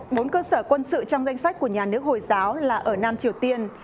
bốn cơ sở quân sự trong danh sách của nhà nước hồi giáo là ở nam triều tiên